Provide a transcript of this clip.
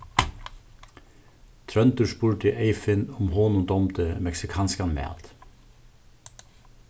tróndur spurdi eyðfinn um honum dámdi meksikanskan mat